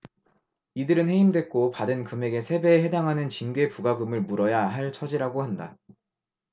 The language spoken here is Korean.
이들은 해임됐고 받은 금액의 세 배에 해당하는 징계부과금을 물어야 할 처지라고 한다